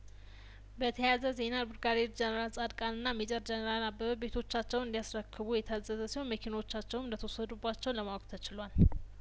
በተያያዘ ዜና ብርጋዴር ጄኔራል ጻድቃንና ሜጀር ጄኔራል አበበቤቶቻቸውን እንዲ ያስረክቡ የታዘዘ ሲሆን መኪኖቻቸውም እንደተወሰዱባቸው ለማወቅ ተችሏል